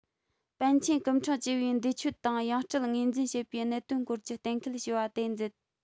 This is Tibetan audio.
པཎ ཆེན སྐུ ཕྲེང བཅུ བའི འདས མཆོད དང ཡང སྤྲུལ ངོས འཛིན བྱེད པའི གནད དོན སྐོར གྱི གཏན ཁེལ ཞེས པ དེ མཛད